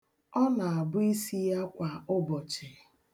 Ọ na-abọ isi ya kwa ụbọchị.